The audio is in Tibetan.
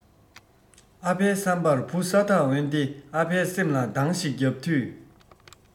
ཨ ཕའི བསམ པར བུ ས ཐག འོན ཏེ ཨ ཕའི སེམས ལ གདང ཞིག བརྒྱབ དུས